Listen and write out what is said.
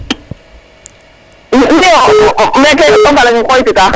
me meke o Ngalagne im xoytita